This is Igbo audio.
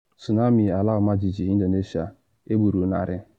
Tsunami ala ọmajiji Indonesia: egburu narị